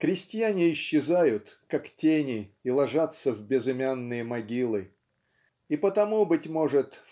крестьяне исчезают, как тени, и ложатся в безымянные могилы. И потому быть может